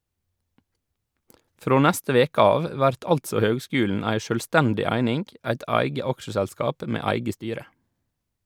Frå neste veke av vert altså høgskulen ei sjølvstendig eining, eit eige aksjeselskap med eige styre.